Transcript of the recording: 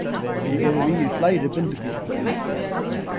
eg eri við í fleiri bindiklubbum